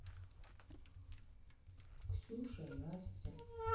ксюша настя